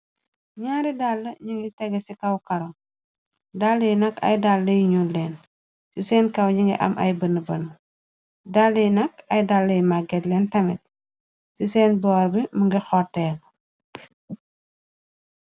ñaari dàlla ñu ngi tegé ci kaw karo dalla yi nak ay dàlla yi ñu leen ci seen kaw yi nga am ay bën banu dalla yi nak ay dalla yi maggeet leen tamit ci seen boor bi mu nga xooteer